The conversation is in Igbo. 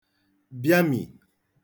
bịamì